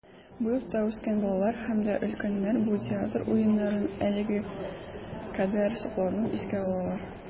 Бу йортта үскән балалар һәм дә өлкәннәр бу театр уеннарын әлегә кадәр сокланып искә алалар.